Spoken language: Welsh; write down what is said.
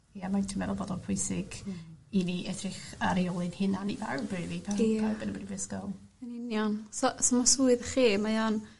Ia mae'n dwi meddwl bod o'n pwysig... Hmm. ...i ni edrych ar eu ôl ein hunan i bawb rili paw... Ia. ...pawb yn y brifysgol. Yn union. So so ma' swydd chi mae o'n